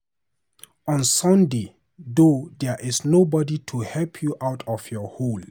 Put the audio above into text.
On Sunday, though, there is nobody to help you out of your hole.